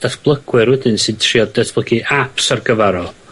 datblygwyr wedyn sy'n trio datblygu aps ar gyfar o...